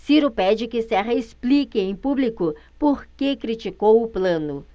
ciro pede que serra explique em público por que criticou plano